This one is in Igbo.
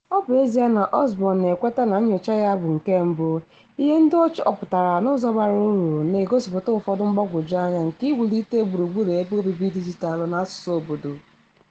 Ọ bụ ezie na Osborn na-ekweta na nyocha ya bụ nke mbụ, ihe ndị ọ chọpụtara n'ụzọ bara uru na-egosipụta ụfọdụ mgbagwoju anya nke iwulite gburugburu ebe obibi dijitalụ n'asụsụ obodo.